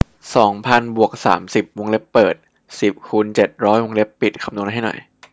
สองพันบวกสามสิบวงเล็บเปิดสิบคูณเจ็ดร้อยวงเล็บปิดคำนวณให้หน่อย